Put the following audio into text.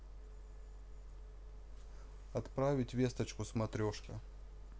отправить весточку смотрешка